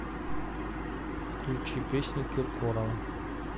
включи песни киркорова